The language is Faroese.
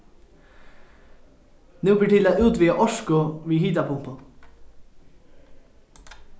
nú ber til at útvega orku við hitapumpu